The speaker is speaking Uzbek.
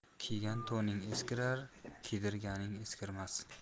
kiygan to'ning eskirar kiydirganing eskirmas